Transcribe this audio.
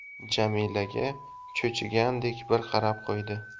jamilaga cho'chigandek bir qarab qo'ydi